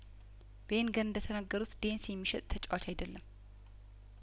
ቬንገር እንደተናገሩት ዴኒስ የሚሸጥ ተጨዋች አይደለም